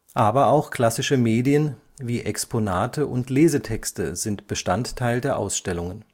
Aber auch klassische Medien wie Exponate und Lesetexte sind Bestandteil der Ausstellungen